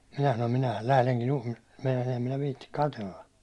minä sanoin minähän lähdenkin - meinasin en minä viitsi katsella